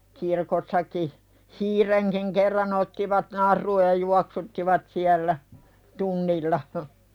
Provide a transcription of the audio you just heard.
kirkossakin hiirenkin kerran ottivat naruun ja juoksuttivat siellä tunnilla -